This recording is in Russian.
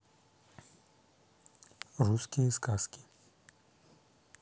русские сказки